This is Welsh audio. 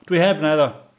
Dwi heb, naddo.